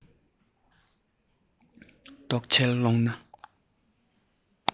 རྟོག འཆལ ཀློང ན